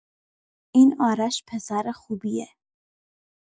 این آرش پسر خوبیه.